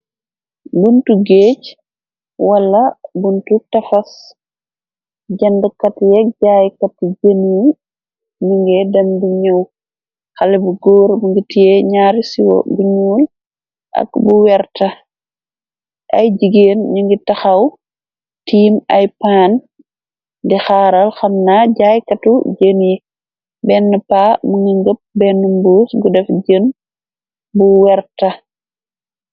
Buntu géej wala buntu tefas jëndekat yek jaaykatu jen yi nu nge denbi ñëw xale bu góor b ngityee ñaari bu ñuul ak bu werta ay jigeen ñu ngi taxaw tiam ay paan di xaaral xamna jaaykatu jen yi benn pa mu ngi ngëpp benn mbuus gu def jën bu werta.